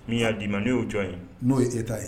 Min y'a d'i n ne y'o jɔn ye n'o yee'a ye